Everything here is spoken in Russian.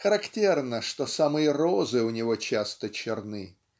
Характерно, что самые розы у него часто черны